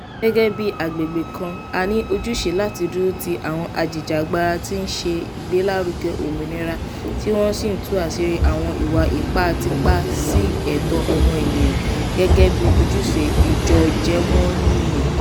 Gẹ́gẹ́ bí agbègbè kan, a ní ojúṣe láti dúró ti àwọn ajìjàgbara tí wọn ń ṣe ìgbélárugẹ òmìnira tí wọ́n sì ń tú àṣírí àwọn ìwà ipá ìtàpá sí ẹ̀tọ́ ọmọnìyàn gẹ́gẹ́ bíi ojúṣe ìjọọjẹ́mọnìyàn.